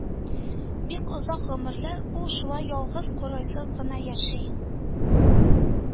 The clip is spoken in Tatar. Бик озак гомерләр ул шулай ялгыз, курайсыз гына яши